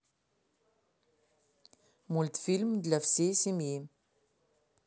мультфильм для всей семьи